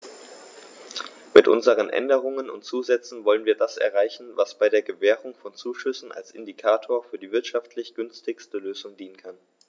Mit unseren Änderungen und Zusätzen wollen wir das erreichen, was bei der Gewährung von Zuschüssen als Indikator für die wirtschaftlich günstigste Lösung dienen kann.